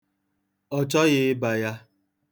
Ọ chọghị ịba ya.